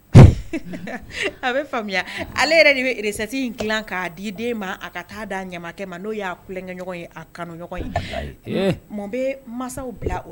Deti k'a di den ma a ka taa d'a ɲamakala ma n' y'akɛɲɔgɔn ye a kanu ye bɛ masaw bila o